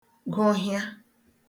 gụhịa